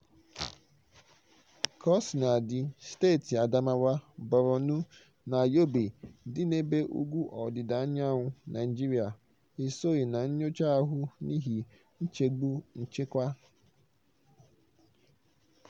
Kaosinadị, steeti Adamawa, Boronu, na Yobe dị n'ebe ugwu ọdịdaanyanwụ Naịjirịa esoghị na nnyocha ahụ n'ihi nchegbu kenchekwa.